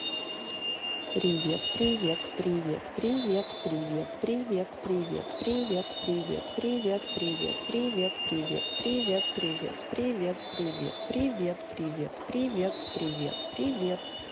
привет привет привет привет привет привет привет привет привет привет привет привет привет привет привет привет привет привет привет привет привет привет